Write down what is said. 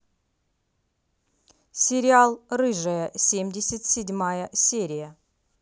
сериал рыжая семьдесят седьмая серия